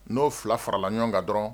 N'o 2 farala ɲɔgɔn kan dɔrɔn